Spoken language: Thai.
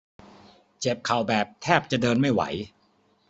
เจ็บเข่าแบบแทบจะเดินไม่ไหว